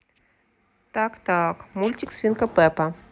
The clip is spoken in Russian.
так так мультик свинка пеппа